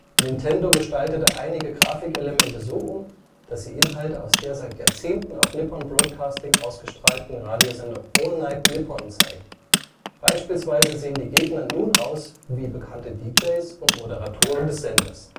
Nintendo gestaltete einige Grafikelemente so um, dass sie Inhalte aus der seit Jahrzehnten auf Nippon Broadcasting ausgestrahlten Radiosendung All Night Nippon zeigen. Beispielsweise sehen die Gegner nun aus wie bekannte DJs und Moderatoren des Senders